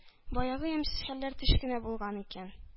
Баягы ямьсез хәлләр төш кенә булган икән.